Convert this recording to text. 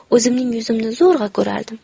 o'zimning yuzimni zo'rg'a ko'rardim